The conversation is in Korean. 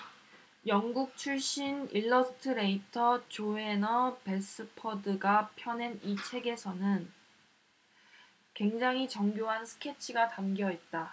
영국 출신 일러스트레이터 조해너 배스퍼드가 펴낸 이 책에는 굉장히 정교한 스케치가 담겨 있다